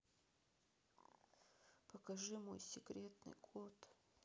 покажи мой секретный код